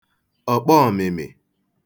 ọ̀kpọ ọ̀mị̀mị̀